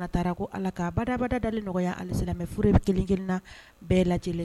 Taara ko ala ka ba dabada dalen nɔgɔyaya ale selenmɛoro kelenkelenna bɛɛ lajɛ lajɛlen